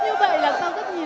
như